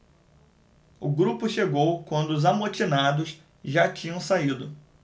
o grupo chegou quando os amotinados já tinham saído